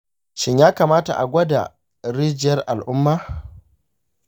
shin ya kamata a gwada rijiyar al’umma?